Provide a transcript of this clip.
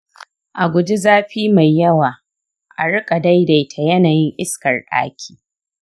a guji zafi mai yawa; a riƙa daidaita yanayin iskar ɗaki.